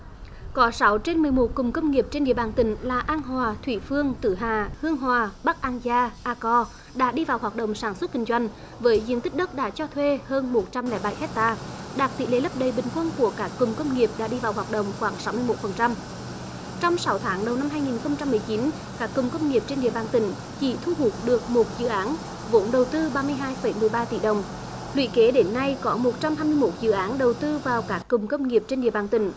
có sáu trên mười một cụm công nghiệp trên địa bàn tỉnh là an hòa thủy phương tử hà hương hoa bắc ang gia a co đã đi vào hoạt động sản xuất kinh doanh với diện tích đất đã cho thuê hơn một trăm lẻ bảy héc ta đạc tỷ lệ lấp đầy bình quân của cả cụm công nghiệp đã đi vào hoạt động khoảng sáu mươi mốt phần trăm trong sáu tháng đầu năm hai nghìn không trăm mười chín các cụm công nghiệp trên địa bàn tỉnh chỉ thu hút được một dự án vốn đầu tư ba mươi hai phẩy mười ba tỷ đồng lụy kế đến nay có một trăm hai mươi mốt dự áng đầu tư vào các cụm công nghiệp trên địa bàn tỉnh